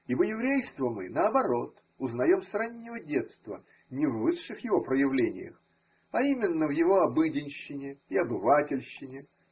Ибо еврейство мы, наоборот, узнаем с раннего детства не в высших его проявлениях, а именно в его обыденщине и обывательщине.